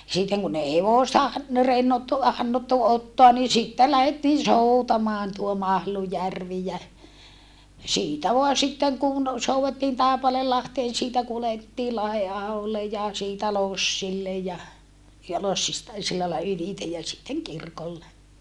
sitten kun ei hevosta - no rennottu hannottu ottaa niin sitten lähdettiin soutamaan tuo Mahlujärvi ja siitä vain sitten kun soudettiin Taipaleenlahteen siitä kuljettiin Lahdenaholle ja siitä lossille ja ja lossista sillä lailla ylitse ja sitten kirkolle